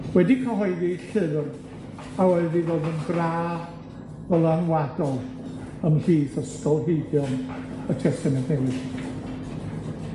wedi cyhoeddi llyfr a oedd i ddod yn dra ddylanwadol ymhlith ysgolheigion y Testament Newydd.